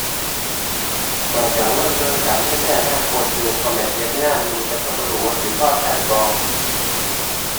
ข้อยกังวลเรื่องการเงินในอนาคตอยู่ เพราะแม้ว่าสิเฮ็ดงานอยู่แต่ก็บ่รู้ว่าสิพอก็บ่